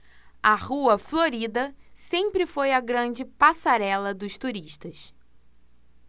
a rua florida sempre foi a grande passarela dos turistas